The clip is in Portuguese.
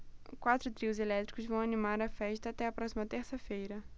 quatro trios elétricos vão animar a festa até a próxima terça-feira